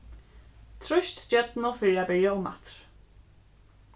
trýst stjørnu fyri at byrja umaftur